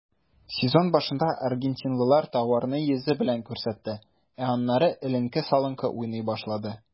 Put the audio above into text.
Сезон башында аргентинлылар тауарны йөзе белән күрсәтте, ә аннары эленке-салынкы уйный башлады.